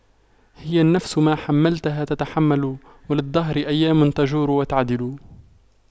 هي النفس ما حَمَّلْتَها تتحمل وللدهر أيام تجور وتَعْدِلُ